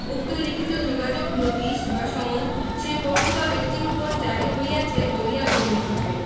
উক্ত লিখিত যোগাযোগ নোটিশ বা সমন সেই পক্ষ বা ব্যক্তির উপর জারী হইয়াছে বলিয়া গণ্য হইবে